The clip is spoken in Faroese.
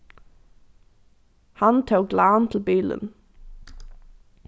hann tók lán til bilin